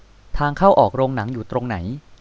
ทางเข้าออกโรงหนังอยู่ตรงไหน